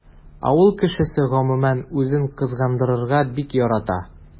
Авыл кешесе гомумән үзен кызгандырырга бик ярата.